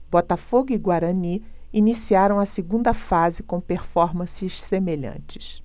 botafogo e guarani iniciaram a segunda fase com performances semelhantes